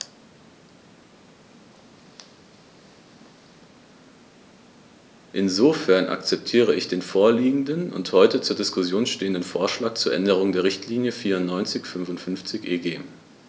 Insofern akzeptiere ich den vorliegenden und heute zur Diskussion stehenden Vorschlag zur Änderung der Richtlinie 94/55/EG.